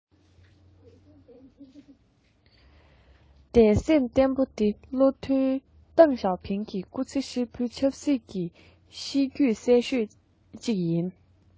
དད སེམས བརྟན པོ དེ བློ མཐུན ཏེང ཞའོ ཕིང གི སྐུ ཚེ ཧྲིལ པོའི ཆབ སྲིད ཀྱི གཤིས རྒྱུད གསལ ཤོས ཤིག རེད ལ